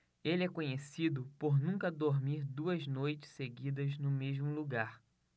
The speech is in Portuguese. ele é conhecido por nunca dormir duas noites seguidas no mesmo lugar